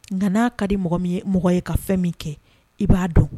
Nka n'a ka di mɔgɔ min ye mɔgɔ ye ka fɛn min kɛ, i b'a dɔn